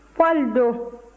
paul dun